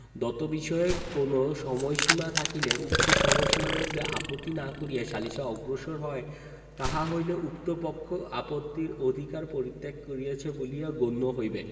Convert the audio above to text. দতবিষয়ে কোন সময়সীমা থাকিলে অনুরূপ সময়সীমার মধ্যে আপত্তি না করিয়া সালিসে অগ্রসর হয় তাহা হইলে উক্ত পক্ষ আপত্তির অধিকার পরিত্যাগ করিয়াছে বলিয়া গণ্য হইবে